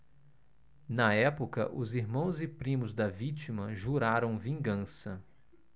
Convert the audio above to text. na época os irmãos e primos da vítima juraram vingança